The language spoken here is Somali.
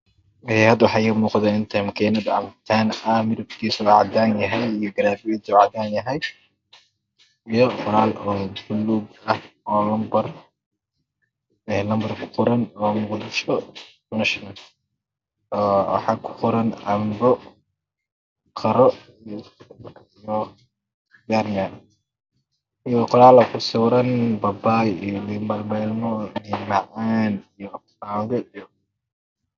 Ee hadda ii muuqdeen makiinada cbbitaanka aa middibkiisa caddaan yahay iyo garaafihiisa caddaan yahay geeddo qoraal aha oo duffinlaw ah ee ranbarkaa ku qoran oo muqdisho waxa ku qoran cmbbo qarro oo yanyaan iyo qorral ku sibbiran babaay iyo liin balbeelmo iyo macmacaan